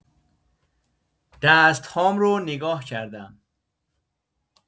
دست‌هام رو نگاه کردم.